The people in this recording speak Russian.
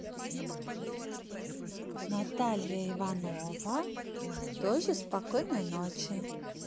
наталья иванова тоже спокойной ночи